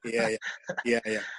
Ia ia. Ia ia.